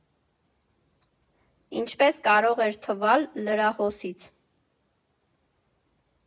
Ինչպես կարող էր թվալ լրահոսից։